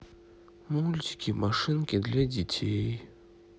мультики машинки для детей